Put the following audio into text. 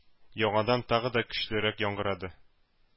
Яңадан тагы да көчлерәк яңгырады.